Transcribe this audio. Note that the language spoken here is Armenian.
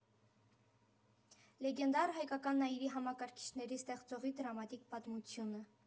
Լեգենդար հայկական «Նաիրի» համակարգիչների ստեղծողի դրամատիկ պատմությունը։